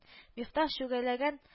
Мифтах чүгәләгән